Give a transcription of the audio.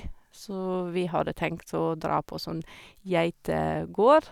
Så vi hadde tenkt å dra på sånn geitegård.